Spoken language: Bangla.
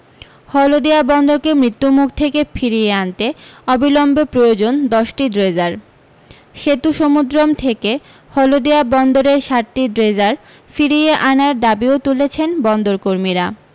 হলদিয়া বন্দরকে মৃত্যু মুখ থেকে ফিরিয়ে আনতে অবিলম্বে প্রয়োজন দশ টি ড্রেজার সেতুসমুদ্রম থেকে হলদিয়া বন্দরের সাত টি ড্রেজার ফিরিয়ে আনার দাবিও তুলেছেন বন্দর কর্মীরা